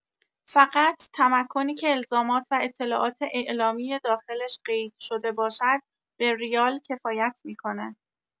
فقط تمکنی که الزامات و اطلاعات اعلامی داخلش قید شده باشد به ریال کفایت می‌کنه